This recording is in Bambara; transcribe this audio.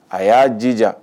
A y'a jija